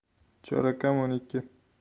chorak kam o'n ikki